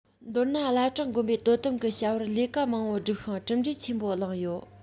མདོར ན བླ བྲང དགོན པས དོ དམ གྱི བྱ བར ལས ཀ མང པོ བསྒྲུབས ཤིང གྲུབ འབྲས ཆེན པོ བླངས ཡོད